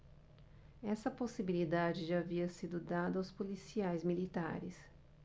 essa possibilidade já havia sido dada aos policiais militares